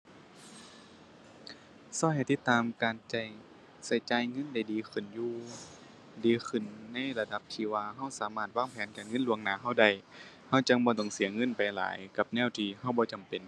ช่วยให้ติดตามการแจ้ง ช่วยจ่ายเงินได้ดีขึ้นอยู่ ดีขึ้นในระดับที่ว่าช่วยสามารถวางแผนการเงินล่วงหน้าช่วยได้ ช่วยจั่งบ่ต้องเสียเงินไปหลายกับแนวที่ช่วยบ่จำเป็น